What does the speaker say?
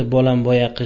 bolam boyaqish